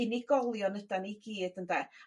unigolion ydan ni gyd ynde?